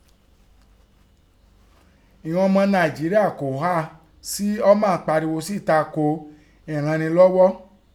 Ìghọn ọmọ Nàìjeríà kọ́ há sí Oman parigho sẹ́ta ko ẹ̀ìrànlọ́ọ́.